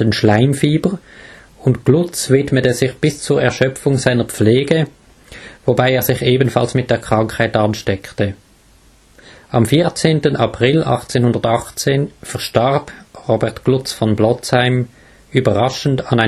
Schleimfieber “) und Glutz widmete sich bis zur Erschöpfung seiner Pflege, wobei er sich ebenfalls mit der Krankheit ansteckte. Am 14. April 1818 verstarb Robert Glutz von Blotzheim überraschend an